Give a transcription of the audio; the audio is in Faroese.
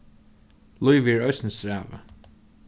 lívið er eisini strævið